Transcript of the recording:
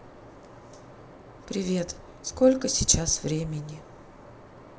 привет сколько сейчас времени